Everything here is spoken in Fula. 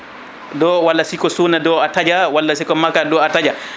ɗo walla siko suuna ɗo a taaƴa walla siko makka ɗo a taaƴa